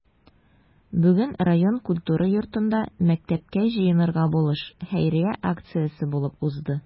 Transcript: Бүген район культура йортында “Мәктәпкә җыенырга булыш” хәйрия акциясе булып узды.